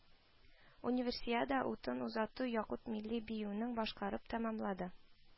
Универсиада утын озату якут милли биюен башкарып тәмамланды